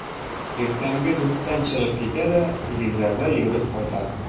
Иртәнге дүрттән чыгып китә дә сигезләрдә йөгереп кайта.